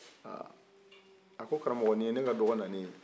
aa ko karamɔgɔ nin ye ne ka dɔgɔ nanen ye